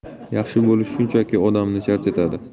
yaxshi bo'lish shunchaki odamni charchatadi